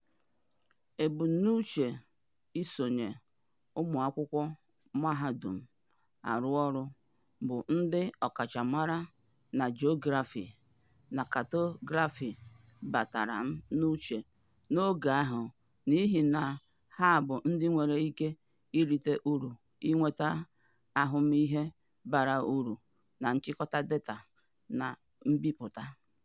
Ebumnuche isonye ụmụakwụkwọ mahadum arụ ọrụ, bụ ndị ọkachamara na Geography/Cartography batara m n'uche n'oge ahụ, n'ihi na ha bụ ndị nwere ike irite uru n'inweta ahụmihe bara uru na nchịkọta data na mbipụta.